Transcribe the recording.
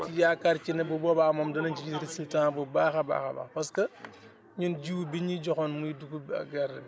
yaakaar ci ne bu boobaa moom danañ ci gis résultat bu baax a baax a baax parce que ñun jiw biñ ñu joxoon muy dugub bi ak gerte bi